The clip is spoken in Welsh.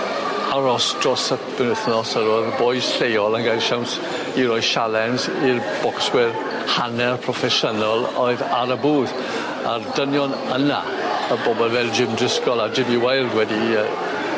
aros dros y penwythnos a ro'dd y bois lleol yn ga'l 'u siawns i roi sialens i'r bocswyr hanner proffesiynol oedd ar y booth a'r dynion yna y bobol fel Jim Drisgol a JV Wild wedi yy